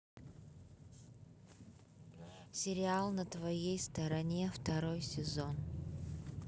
сериал на твоей стороне второй сезон